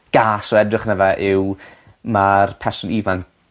gas o edrych arno fe yw ma'r person ifanc